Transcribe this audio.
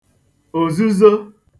òzuzo